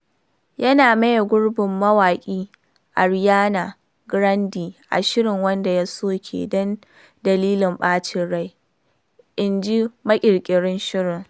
Yana maye gurbin mawaƙi Ariana Grande a shirin wanda ya soke don “dalilin ɓacin rai,” inji maƙirƙirin shirin.